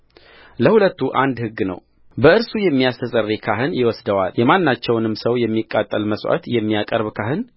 ለሁለቱ አንድ ሕግ ነው በእርሱ የሚያስተሰርይ ካህን ይወስደዋልየማናቸውንም ሰው የሚቃጠል መሥዋዕት የሚያቀርብ ካህን ያቀረበው የሚቃጠለው መሥዋዕት ቁርበት ለዚያው ካህን ይሆናል